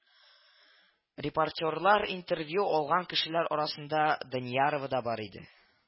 Репортерлар интервью алган кешеләр арасында Даниярова да бар иде